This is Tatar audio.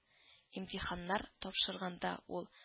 Имтиханнар тапшырганда ул